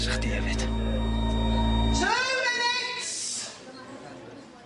Sa chdi efyd. Two minutes!